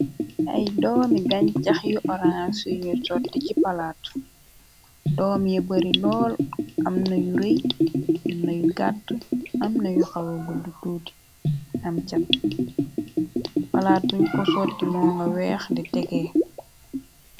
ay doomi gañ cax yu orancyñu sotti ci palaat doom ye bari lool am nayu rëy am na yu gàtt am nayu xawe buddu tuuti amcat palaat buñ ko sotti moo nga weex di tegee.